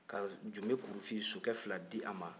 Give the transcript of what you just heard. ka jumekurufi sokɛ fila d'a ma